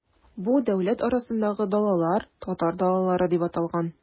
Бу дәүләт арасындагы далалар, татар далалары дип аталган.